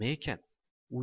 nima bo'ldi ekan